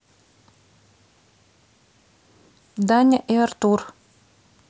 даня и артур